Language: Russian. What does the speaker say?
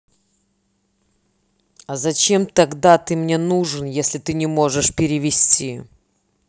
а зачем тогда ты мне нужен если ты не можешь перевести